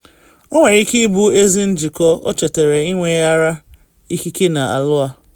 “Ọ nwere ike ịbụ ezi njikọ,” ọ chetere, ịweghara ikike na Alloa.